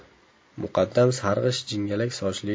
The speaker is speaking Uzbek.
muqaddam sarg'ish jingalak sochli